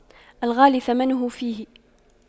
الغالي ثمنه فيه